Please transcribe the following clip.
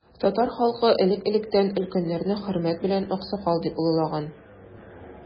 Татар халкы элек-электән өлкәннәрне хөрмәт белән аксакал дип олылаган.